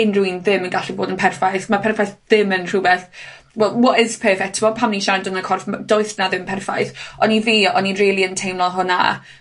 unryw un ddim yn gallu bod yn perffaith. Ma' perffaith dim yn rhwbeth, wel what is perfect? T'mo? Pan o'n i'n siarad amdano corff ma- does 'na ddim perffaith, ond i fi, o'n i'n rili yn teimlo hwnna.